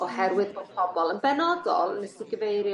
Oherwydd bo' pobol yn benodol nes i gyfeirio...